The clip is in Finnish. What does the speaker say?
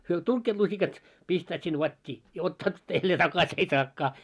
he tunkevat lusikat pistävät sinne vatiin ja ottavat jälleen takaisin ei saakaan